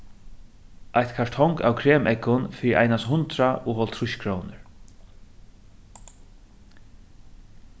eitt kartong av kremeggum fyri einans hundrað og hálvtrýss krónur